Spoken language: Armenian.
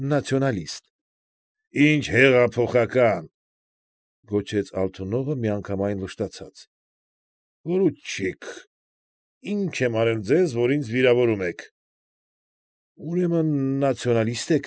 Նացիոնալիստ։ ֊ Ի՞նչ, հեղափոխակա՞ն,֊ գոչեց Ալթունովը միանգամայն վշտացած,֊ պորուչիկ, ի՞նչ եմ արել ձեզ, որ ինձ վիրավորում եք։ ֊ Ուրեմն նացիոնալիստ։